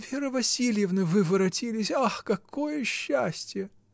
— Вера Васильевна: вы воротились, ах, какое счастье!